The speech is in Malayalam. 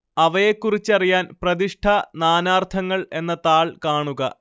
അവയെക്കുറിച്ചറിയാൻ പ്രതിഷ്ഠ നാനാർത്ഥങ്ങൾ എന്ന താൾ കാണുക